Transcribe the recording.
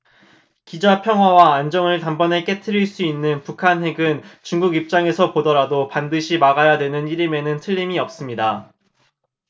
기자 평화와 안정을 단번에 깨뜨릴 수 있는 북한 핵은 중국 입장에서 보더라도 반드시 막아야 되는 일임에는 틀림이 없습니다